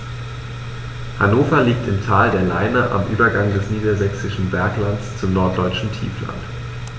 Hannover liegt im Tal der Leine am Übergang des Niedersächsischen Berglands zum Norddeutschen Tiefland.